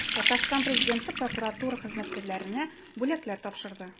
Татарстан Президенты прокуратура хезмәткәрләренә бүләкләр тапшырды.